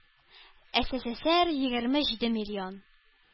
Эсэсэсэр егерме җиде миллион,